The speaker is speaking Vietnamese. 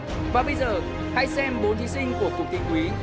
và bây giờ hãy xem bốn thí sinh của cuộc thi quý